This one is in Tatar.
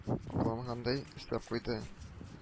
Аклангандай өстәп куйды: